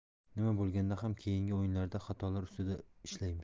nima bo'lganda ham keyingi o'yinlarda xatolar ustida ishlaymiz